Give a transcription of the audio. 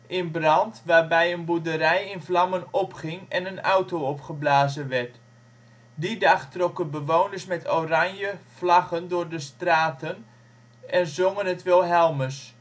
in brand waarbij een boerderij in vlammen opging en een auto opgeblazen werd. Die dag trokken bewoners met oranje en vlaggen door de straten en zongen het Wilhelmus